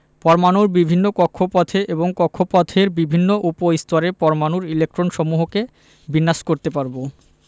পরমাণুর বিভিন্ন কক্ষপথে এবং কক্ষপথের বিভিন্ন উপস্তরে পরমাণুর ইলেকট্রনসমূহকে বিন্যাস করতে পারব